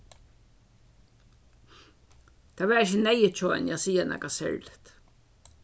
tað var ikki neyðugt hjá henni at siga nakað serligt